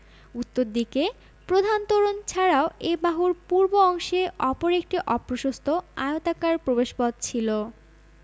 উত্তরদিকে প্রধান তোরণ ছাড়াও এ বাহুর পূর্ব অংশে অপর একটি অপ্রশস্ত আয়তাকার প্রবেশপথ ছিল